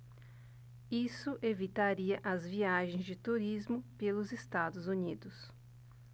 isso evitaria as viagens de turismo pelos estados unidos